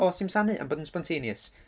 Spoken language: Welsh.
O Simsanu am bod yn spontaneous.